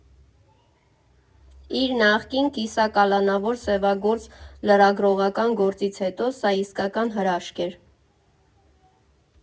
Իր նախկին՝ կիսակալանավոր, սևագործ լրագրողական գործից հետո սա իսկական հրաշք էր։